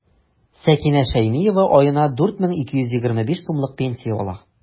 Сәкинә Шәймиева аена 4 мең 225 сумлык пенсия ала.